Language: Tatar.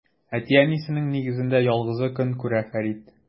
Әти-әнисенең нигезендә ялгызы көн күрә Фәрид.